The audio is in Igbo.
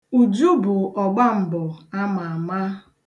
Uju bụ ọgbambọ a ma ama.